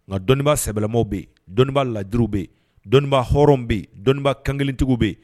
Nka dɔnniibaa sɛbɛɛlɛma bɛ dɔnniibaa ladiuru bɛ yen dɔnniibaa hɔrɔn bɛ yen dɔnniibaa kantigiw bɛ yen